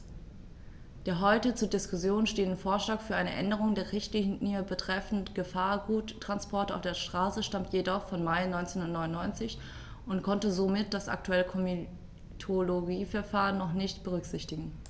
Der heute zur Diskussion stehende Vorschlag für eine Änderung der Richtlinie betreffend Gefahrguttransporte auf der Straße stammt jedoch vom Mai 1999 und konnte somit das aktuelle Komitologieverfahren noch nicht berücksichtigen.